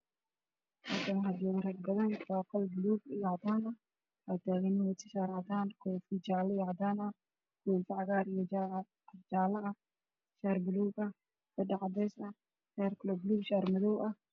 Meeshan waxaa fadhiyeen niman badan ninka soo horay wax wataa shaati caddaan ah iyo koofid